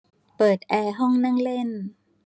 เปิดแอร์ห้องนั่งเล่น